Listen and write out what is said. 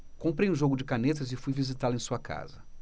comprei um jogo de canetas e fui visitá-lo em sua casa